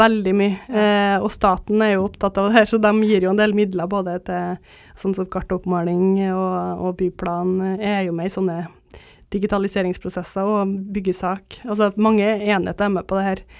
veldig mye , og staten er jo opptatt av det her så dem gir jo en del midler både til sånn som kartoppmåling og og byplan er jo med i sånne digitaliseringsprosesser og byggesak altså mange enheter er med på det her.